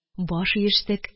Баш иештек